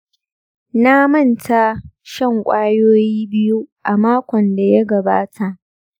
na manta shan kwayoyi biyu a makon da ya gabata.